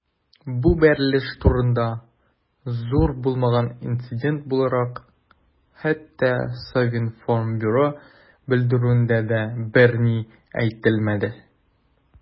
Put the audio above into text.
Бу бәрелеш турында, зур булмаган инцидент буларак, хәтта Совинформбюро белдерүендә дә берни әйтелмәде.